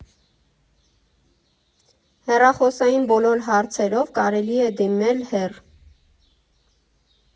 Հեռախոսային բոլոր հարցերով կարելի է դիմել հեռ.